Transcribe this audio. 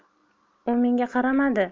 u menga qaramadi